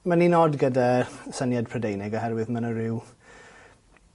mae'n un od gyda syniad Prydeinig oherwydd ma' 'na ryw